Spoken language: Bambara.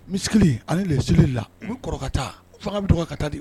Muscle ani les cellules la u b’i kɔrɔ ka taa u fanga bɛ dɔgɔya ka ta de